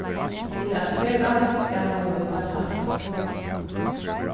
til at ferðast skal mann nýta pass